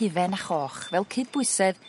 hufen a choch fel cyd bwysedd